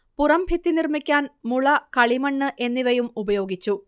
പുറം ഭിത്തി നിർമ്മിക്കാൻ മുള, കളിമണ്ണ് എന്നിവയും ഉപയോഗിച്ചു